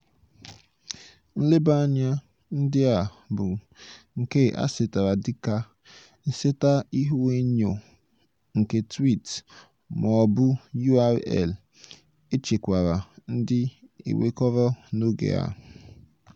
Nleba anya ndị a bụ nke e setara dika nseta ihuenyo nke tweets ma ọ bụ URL echekwara ndị ewekọrọ n'oge a.